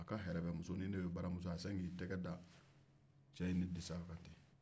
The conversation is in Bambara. a ka yɛrɛbɛ musonin n'o ye baramuso ye a sinna k'i tɛgɛ da cɛ in ni disa kan ten